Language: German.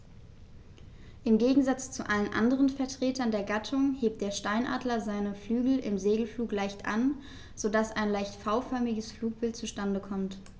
Im Gegensatz zu allen anderen Vertretern der Gattung hebt der Steinadler seine Flügel im Segelflug leicht an, so dass ein leicht V-förmiges Flugbild zustande kommt.